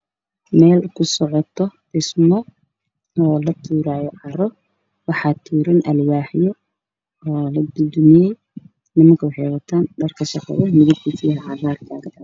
Waa guri dhismo ka socda niman ayaa joogaa wataan shatiya cagaar ah oo dhulka yaalo